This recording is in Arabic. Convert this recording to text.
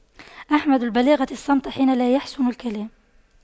أحمد البلاغة الصمت حين لا يَحْسُنُ الكلام